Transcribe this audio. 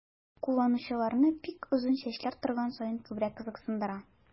Кулланучыларны бик озын чәчләр торган саен күбрәк кызыксындыра.